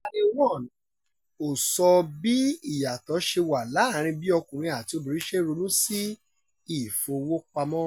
Channel One ò sọ bí ìyàtọ̀ ṣe wà láàárín bí ọkùnrin àti obìnrin ṣe ń ronú sí ìfowópamọ́.